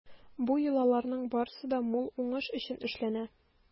Бу йолаларның барысы да мул уңыш өчен эшләнә.